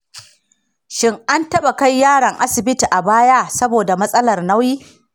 shin an taɓa kai yaron asibiti a baya saboda matsalar nauyi?